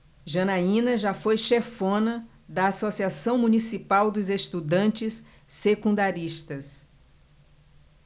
janaina foi chefona da ames associação municipal dos estudantes secundaristas